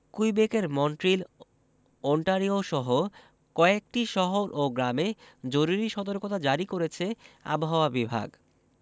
কুইবেকের মন্ট্রিল ওন্টারিওসহ কয়েকটি শহর ও গ্রামে জরুরি সতর্কতা জারি করেছে আবহাওয়া বিভাগ